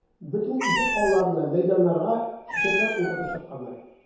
Бөтен ишек алларына, мәйданнарга чәчәкләр утыртып чыкканнар.